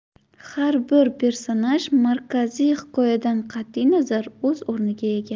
har bir personaj markaziy hikoyadan qatiy nazar o'z o'rniga ega